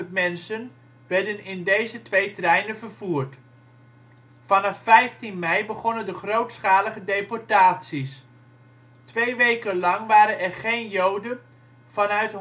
mensen werden in deze twee treinen vervoerd. Vanaf 15 mei begonnen de grootschalige deportaties. Twee weken lang waren er geen Joden vanuit